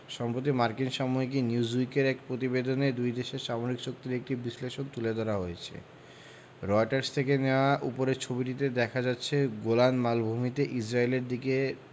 সম্প্রতি মার্কিন সাময়িকী নিউজউইকের এক প্রতিবেদনে দুই দেশের সামরিক শক্তির একটি বিশ্লেষণ তুলে ধরা হয়েছে রয়টার্স থেকে নেয়া উপরের ছবিটিতে দেখা যাচ্ছে গোলান মালভূমিতে ইসরায়েলের দিকের